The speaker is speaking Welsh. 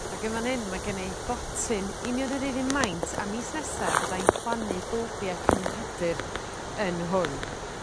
Ag yn fan 'yn mae gyn ni botyn union yr un un maint a mis nesa fyddai'n plannu bylbie cennin Pedyr yn hwn.